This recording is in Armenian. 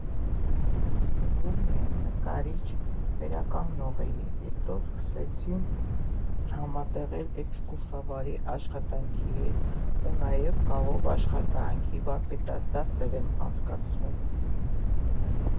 Սկզբում միայն նկարիչ֊վերականգնող էի, հետո սկսեցի համատեղել էքսկուրսավարի աշխատանքի հետ ու նաև կավով աշխատանքի վարպետաց դասեր եմ անցկացնում։